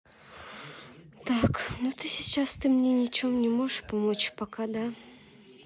так ну так сейчас ты мне ничем не можешь помочь пока да